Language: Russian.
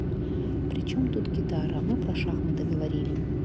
причем тут гитара мы про шахматы говорили